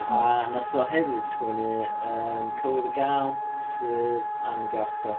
A wnaeth o hefyd sgwennu, yym, cywydd y gal, sydd am ei goc o.